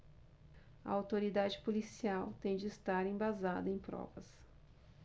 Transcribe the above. a autoridade policial tem de estar embasada em provas